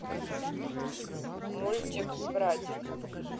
мультик братик